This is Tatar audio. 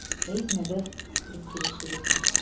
Әйтмә дә! - дип килеште Веткин.